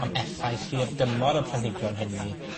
am effaith hir dymor y planhigion hynny